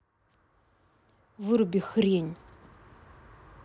выруби хрень